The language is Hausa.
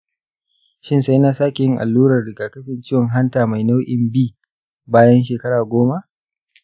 shin sai na sake yin allurar rigakafin ciwon hanta mai nau’in b bayan shekara goma?